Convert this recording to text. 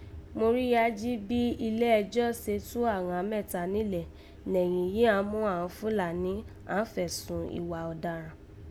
Móríyá jí bí ilé ẹjọ́ se tú àghan mẹ́ta nílẹ̀ nẹ̀yìn yìí àán mú Fúlàní yìí àán fẹ̀sùn ìwà ọ̀dáàràn